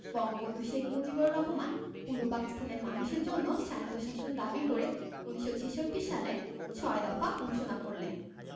বঙ্গবন্ধু শেখ মুজিবর রহমান পূর্ব পাকিস্তানের মানুষের জন্যে স্বায়ত্ব শাসন দাবি করে ১৯৬৬ সালে ৬ দফা ঘোষণা করলেন